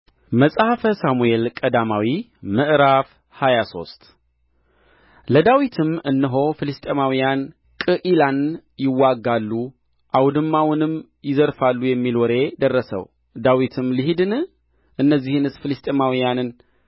መጽሐፈ ሳሙኤል ቀዳማዊ ምዕራፍ ሃያ ሶስት ለዳዊትም እነሆ ፍልስጥኤማውያን ቅዒላን ይወጋሉ አውድማውንም ይዘርፋሉ የሚል ወሬ ደረሰው ዳዊትም ልሂድን እነዚህንስ ፍልስጥኤማውያን